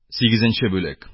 Сигезенче бүлек